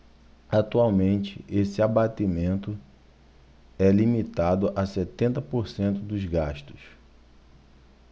atualmente esse abatimento é limitado a setenta por cento dos gastos